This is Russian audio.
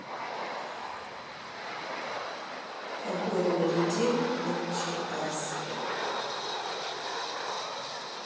погода на неделю в новочеркасске